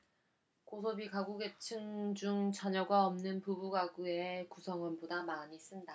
고소비가구계층 중 자녀가 없는 부부가구의 구성원보다 많이 쓴다